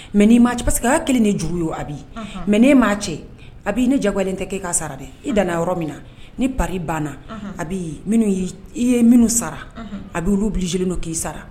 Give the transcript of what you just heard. Mais n'i m'a cɛ, parce que o y'a kɛlen ye juru ye, unhun, mais e ma cɛ ne diyagoyale tɛ k'a sara dɛ, i dan na yɔrɔ min na ni pari banna , unhun, minnu ye minnu, Abi, i ye minnu sara, Abi, olu obligés len k a 2arah